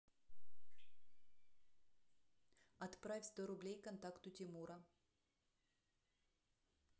отправь сто рублей контакту тимура